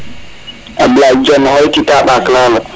Ablaye Dione xoytita MBak lalo